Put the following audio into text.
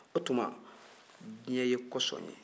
o tuma diɲɛ ye kosɔn ye